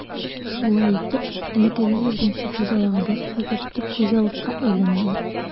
Шулай итеп, элеккеге ярдәмче хуҗалыгыбыз хәзер төп хуҗалыкка әйләнде.